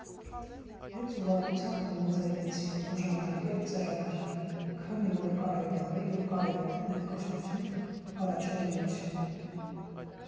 Մեծ ուրախությամբ համաձայնեցինք օժանդակել ծրագրին, քանի որ կարևորել և կարևորում ենք կրթությունն ու առաջադիմությունը։